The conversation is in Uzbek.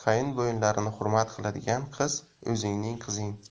hurmat qiladigan qiz o'zingning qizing